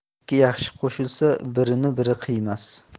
ikki yaxshi qo'shilsa birini biri qiymas